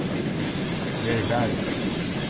ver varin